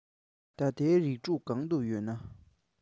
ད ལྟ རིགས དྲུག གང དུ ཡོད ན